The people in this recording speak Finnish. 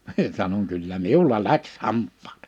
minä sanon kyllä minulla lähti hampaat